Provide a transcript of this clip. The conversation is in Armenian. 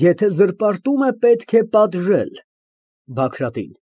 Եթե զրպարտում է, պետք է պատժել։ (Բագրատին)